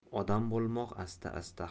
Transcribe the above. odam bo'lmoq asta asta